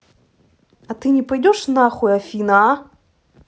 а ты не пойдешь нахуй афина а